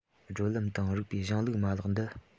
བགྲོད ལམ དང རིགས པའི གཞུང ལུགས མ ལག འདི